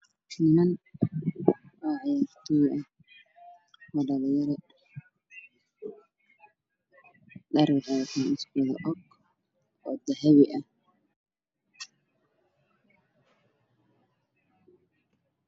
Waa wiilal mid ayaa kaba gashanayo wuxuu wataa fanaanad cid ciid wanag san wiil khamiis qaba ayaa ag fadhiya oo qoslaya